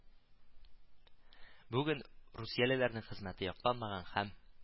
Бүген русиялеләрнең хезмәте якланмаган һәм